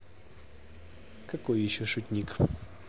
какой еще шутник